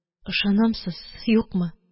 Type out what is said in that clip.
– ышанамсыз-юкмы